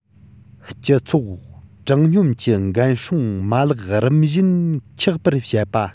སྤྱི ཚོགས དྲང སྙོམས ཀྱི འགན སྲུང མ ལག རིམ བཞིན ཆགས པར བྱེད པ